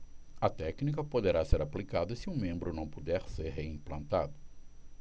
a técnica poderá ser aplicada se o membro não puder ser reimplantado